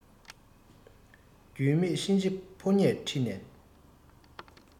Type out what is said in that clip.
རྒྱུས མེད གཤིན རྗེ ཕོ ཉས ཁྲིད ནས